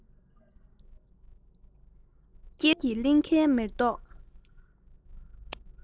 སྐྱེད ཚལ གྱི གླིང གའི མེ ཏོག